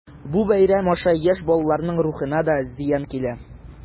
Бу бәйрәм аша яшь балаларның рухына да зыян килә.